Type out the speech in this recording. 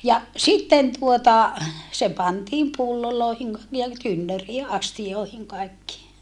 ja sitten tuota se pantiin pulloihin niin ja tynnyriin astioihin kaikkiin